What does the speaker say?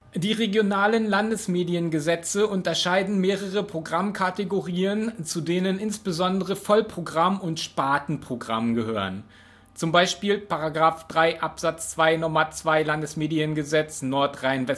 Die regionalen Landesmediengesetze unterscheiden mehrere Programmkategorien, zu denen insbesondere Vollprogramm und Spartenprogramm gehören (z. B. § 3 Abs. 2 Nr. 2 LMG NRW). Ein